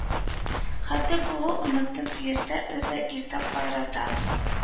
Хетле булу өметен иртә өзә, иртә картайта